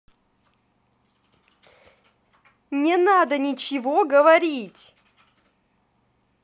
не надо ничего говорить